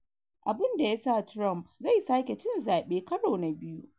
Abun Da Ya Sa Trump Zai Sake Cin Zabe Karo na Biyu